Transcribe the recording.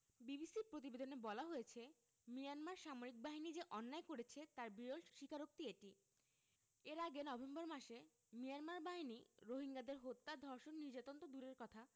বিবিসির প্রতিবেদনে বলা হয়েছে মিয়ানমার সামরিক বাহিনী যে অন্যায় করেছে তার বিরল স্বীকারোক্তি এটি এর আগে নভেম্বর মাসে মিয়ানমার বাহিনী রোহিঙ্গাদের হত্যা ধর্ষণ নির্যাতন তো দূরের কথা